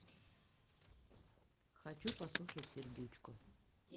хочу послушать сердючку